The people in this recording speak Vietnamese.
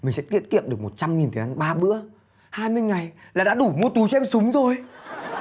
mình sẽ tiết kiệm được một trăm nghìn tiền ăn ba bữa hai mươi ngày là đã đủ mua túi xem súng rồi